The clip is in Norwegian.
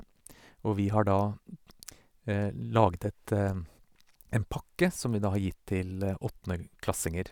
Og vi har da laget et en pakke som vi da har gitt til åttendeklassinger.